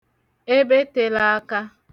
ebe tele aka